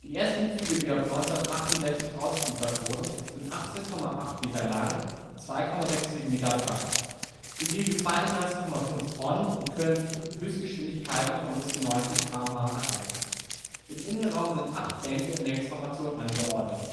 ersten Züge, die ab 1968 ausgeliefert wurden, sind 18,8 Meter lang und 2,67 Meter breit; sie wiegen 32,5 Tonnen und können Höchstgeschwindigkeiten von bis zu 90 km/h erreichen. Im Innenraum sind acht Bänke in Längsformation angeordnet